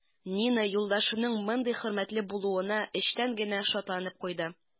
Нина юлдашының мондый хөрмәтле булуына эчтән генә шатланып куйды.